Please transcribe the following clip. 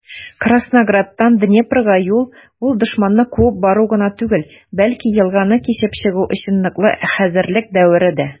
Краснограддан Днепрга юл - ул дошманны куып бару гына түгел, бәлки елганы кичеп чыгу өчен ныклы хәзерлек дәвере дә.